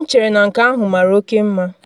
M chere na nke ahụ mara oke mma.”